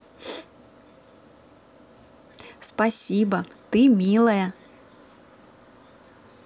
спасибо ты милая